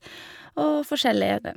Og forskjellige den.